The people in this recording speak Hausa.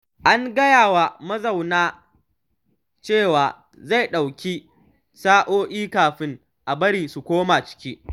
An gaya wa mazaunan cewa zai ɗauki sa’o’i kafin a bari su koma ciki.